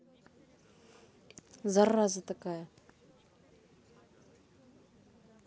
зараза такая